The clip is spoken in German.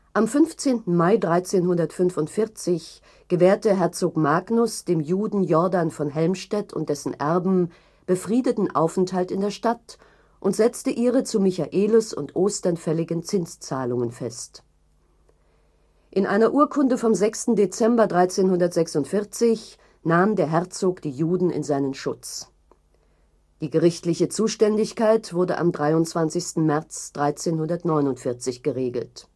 Am 15. Mai 1345 gewährte Herzog Magnus dem Juden Jordan von Helmstedt und dessen Erben befriedeten Aufenthalt in der Stadt und setzte ihre zu Michaelis und Ostern fälligen Zinszahlungen fest. In einer Urkunde vom 6. Dezember 1346 nahm der Herzog die Juden in seinen Schutz. Die gerichtliche Zuständigkeit wurde am 23. März 1349 geregelt